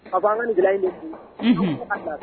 an ka nin gɛlɛya de ku, unhun.